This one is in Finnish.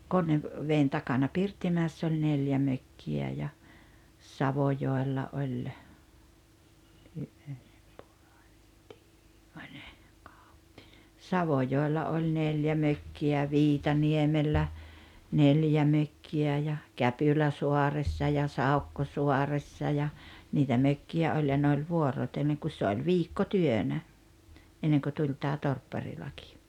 - Konneveden takana Pirttimäessä oli neljä mökkiä ja Savojoella oli Savojoella oli neljä mökkiä ja Viitaniemellä neljä mökkiä ja Käpyläsaaressa ja Saukkosaaressa ja niitä mökkiä oli ja ne oli vuorotellen kun se oli viikkotyönä ennen kuin tuli tämä torpparilaki